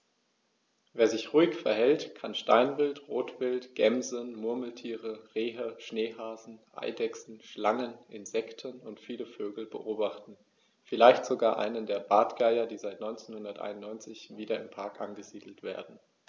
Wer sich ruhig verhält, kann Steinwild, Rotwild, Gämsen, Murmeltiere, Rehe, Schneehasen, Eidechsen, Schlangen, Insekten und viele Vögel beobachten, vielleicht sogar einen der Bartgeier, die seit 1991 wieder im Park angesiedelt werden.